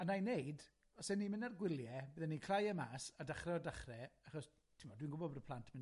A wna i wneud, os 'yn ni'n mynd ar gwylie, bydden i'n cl'au e mas, a dechre o dechre, achos, ti'mod, dwi'n gwybod bod y plant yn myn'